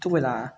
ทุกเวลา